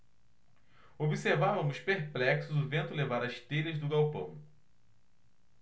observávamos perplexos o vento levar as telhas do galpão